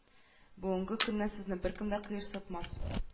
Бүгенге көннән сезне беркем дә кыерсытмас